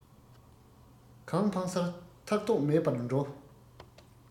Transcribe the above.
གང འཕངས སར ཐག ཐོགས མེད པར འགྲོ